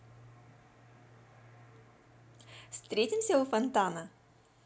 встретимся у фонтана